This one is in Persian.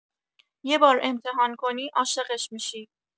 یه بار امتحان کنی عاشقش می‌شی!